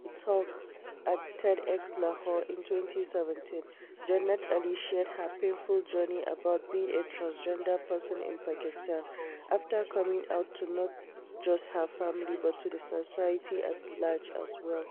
In a talk at TEDxLahore in 2017, Jannat Ali shared her painful journey about being a transgender person in Pakistan after coming out to not just her family but to society at large as well.